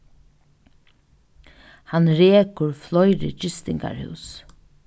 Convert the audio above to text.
hann rekur fleiri gistingarhús